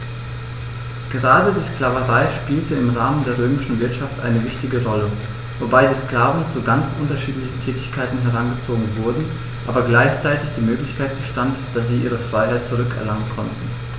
Gerade die Sklaverei spielte im Rahmen der römischen Wirtschaft eine wichtige Rolle, wobei die Sklaven zu ganz unterschiedlichen Tätigkeiten herangezogen wurden, aber gleichzeitig die Möglichkeit bestand, dass sie ihre Freiheit zurück erlangen konnten.